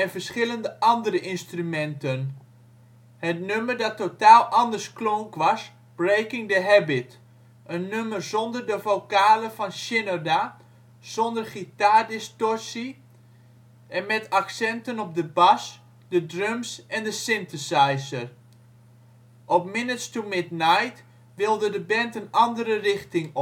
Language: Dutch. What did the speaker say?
verschillende andere instrumenten. Het nummer dat totaal anders klonk was " Breaking the Habit ", een nummer zonder de vocalen van Shinoda, zonder gitaardistortie en met accenten op de bas, de drums en de synthesizer. Op Minutes to Midnight wilde de band een andere richting op